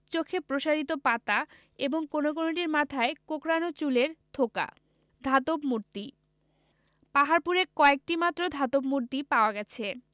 চোখের প্রসারিত পাতা এবং কোন কোনটির মাথায় কোকড়ানো চুলের থোকা ধাতব মূর্তিঃ পাহাড়পুরে কয়েকটি মাত্র ধাতব মূর্তি পাওয়া গেছে